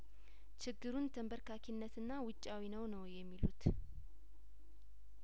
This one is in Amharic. ችግሩን ተንበርካኪነትና ውጫዊ ነው ነው የሚሉት